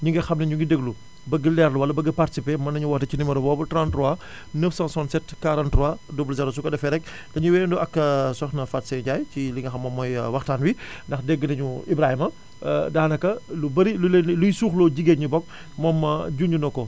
ñi nga xam ne ñu ngi déglu bëgg leerlu wala bëgg participé mën nañu woote ci numéro boobu 33 967 43 00su ko defee rek dañuy wéyandoo ak soxna Fatou Seye Ndiaye ci li nga xam moom mooy waxtaan wi ndax dégg nañu Ibrahima daanaka lu bari lu leen luy suuxloo jigéen ñi boog moom junj na ko